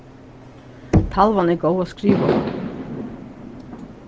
talvan er góð at skriva á